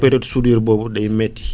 période soudure boobu day métti